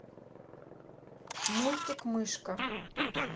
мультик мышка